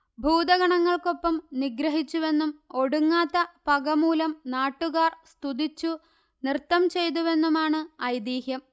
ഭൂതഗണങ്ങൾക്കൊപ്പം നിഗ്രഹിച്ചുവെന്നും ഒടുങ്ങാത്ത പക മൂലം നാട്ടുകാർ സ്തുതിച്ചു നൃത്തം ചെയ്തുവെന്നുമാണ് ഐതീഹ്യം